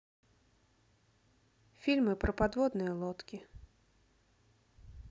фильмы про подводные лодки